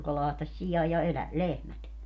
joka lahtasi sian ja - lehmät